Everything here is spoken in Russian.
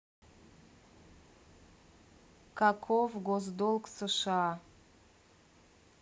каков госдолг сша